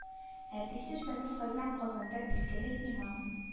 Әтисе шамил хәзрәт казанда билгеле имам